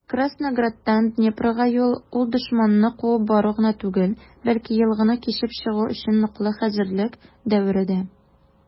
Краснограддан Днепрга юл - ул дошманны куып бару гына түгел, бәлки елганы кичеп чыгу өчен ныклы хәзерлек дәвере дә.